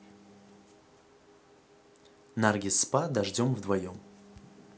наргиз спа дождем вдвоем